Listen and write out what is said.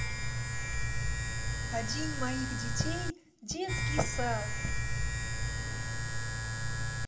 один моих детей детский сад